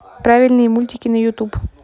правильные мультики на ютуб